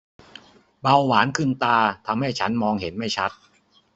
เบาหวานขึ้นตาทำให้ฉันมองเห็นไม่ชัด